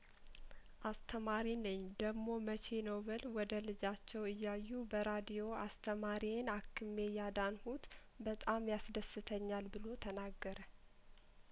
አስተማሪ ነኝ ደሞ መቼ ነው በል ወደ ልጃቸው እያዩ በራዲዮ አስተማሪዬን አክሜ ያዳንሁት በጣም ያስደስተኛል ብሎ ተናገረ